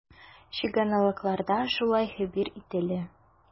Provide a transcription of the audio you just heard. Чыганакларда шулай хәбәр ителә.